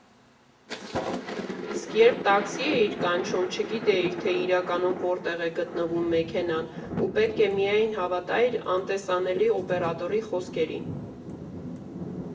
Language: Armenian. Իսկ երբ տաքսի էիր կանչում, չգիտեիր, թե իրականում որտեղ է գտնվում մեքենան ու պետք է միայն հավատայիր անտեսանելի օպերատորի խոսքերին։